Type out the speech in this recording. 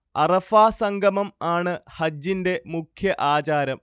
അറഫാ സംഗമം ആണ് ഹജ്ജിന്റെ മുഖ്യ ആചാരം